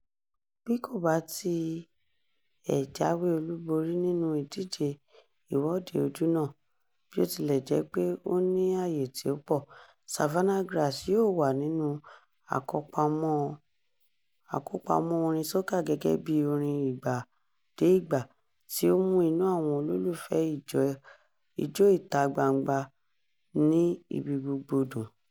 Bí kò bá ti ẹ̀ jáwé olúborí nínú ìdíje Ìwọ́de Ojúnà (bí ó ti lẹ̀ jé pé ó ní àyè tí ó pọ̀!), "Savannah Grass" yóò wà nínú àkópamọ́ orin soca gẹ́gẹ́ bí orin ìgbà-dé-ìgbà tí ó mú inú àwọn olólùfẹ́ẹ Ijó ìta-gbangba ní ibi gbogbo dùn.